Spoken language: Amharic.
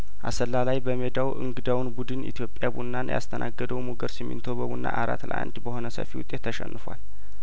አሰላ ላይ በሜዳው እንግዳውን ቡድን ኢትዮጵያ ቡናን ያስተናገደው ሙገር ሲሚንቶ በቡና አራት ለአንድ በሆነ ሰፊ ውጤት ተሸንፏል